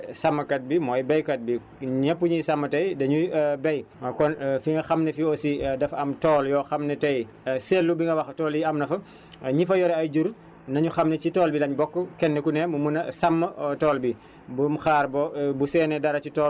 mooy si wàllu ay jur te sàmmkat bi mooy béykat bi ñëpp ñiy sàmm tey dañuy béy kon fi nga xam ne fi aussi dafa am tool yoo xam ne tey seetlu bi nga wax tool yi am na fa éni fa yore ay jur nañu xam ne ci tool bi lañ bokk kenn ku ne mu mun a sàmm tool bi